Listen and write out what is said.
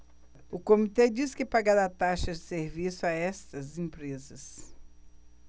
o comitê diz que pagará taxas de serviço a estas empresas